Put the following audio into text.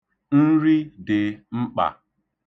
Nri dị mkpa.